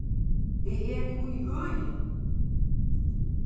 eg eri í øðini